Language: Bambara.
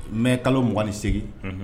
Mai kalo 28 unhun